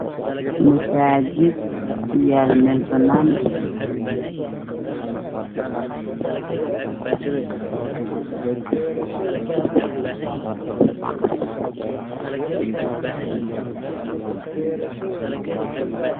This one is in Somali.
Meeshaan waa masaajid midabkiisa waa cadaan oo gaduud ku yara jiro waxaa ku wareegsan darbi shabaq leh masaajidka wuxuu leeyahay hal daaqad